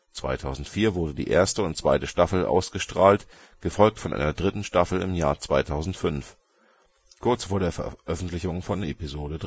2004 wurde die erste und zweite Staffeln ausgestrahlt, gefolgt von einer dritten Staffel im Jahr 2005, kurz vor der Veröffentlichung von Episode